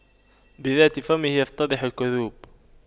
بذات فمه يفتضح الكذوب